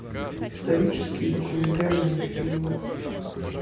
исторические документальные фильмы